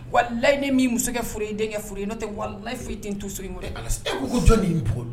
Walahi ne m'i muso kɛ fure ye i den kɛ fure ye nɔtɛ walahi foyi te n to so in ŋɔnɔ yan ɛ Ala sa e ko ko jɔn de n bugo b